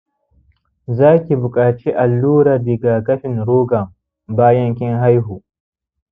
zaki buƙaci allurar rigakafin rhogam bayan kin haihu